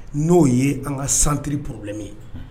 N'o ye an ka centre problème ye, unhun.